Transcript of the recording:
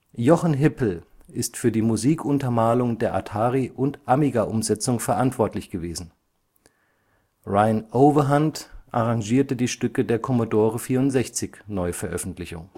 Jochen Hippel ist für die Musikuntermalung der Atari - und Amigaumsetzung verantwortlich gewesen; Reyn Ouwehand arrangierte die Stücke der Commodore 64-Neuveröffentlichung